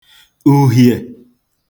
ùhiè